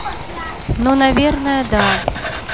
ну наверное да